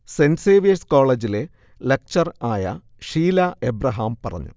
saint Xavier's കോളേജിലെ lecturer ആയ Sheela Abraham പറഞ്ഞു